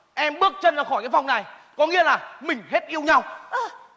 em bước chân ra khỏi cái phòng này có nghĩa là mình hết yêu nhau